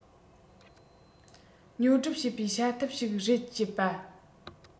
ཉོ སྒྲུབ བྱེད པའི བྱ ཐབས ཤིག རེད སྤྱད པ